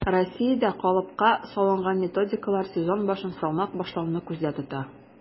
Россиядә калыпка салынган методикалар сезон башын салмак башлауны күздә тота: